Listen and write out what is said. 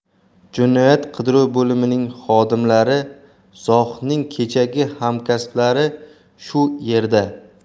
jinoyat qidiruv bo'limining xodimlari zohid ning kechagi hamkasblari shu yerda